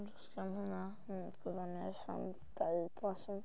Dysgu am hynna yn Gwyddoniaeth am dau lesson.